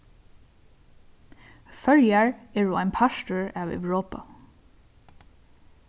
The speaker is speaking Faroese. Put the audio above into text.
føroyar eru ein partur av europa